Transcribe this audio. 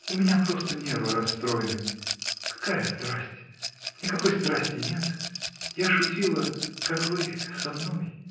У меня просто нервы расстроены. Какая страсть? Никакой страсти нет! Я шутила, как вы. со мной.